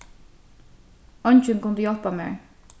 eingin kundi hjálpa mær